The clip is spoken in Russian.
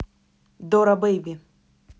дора бейби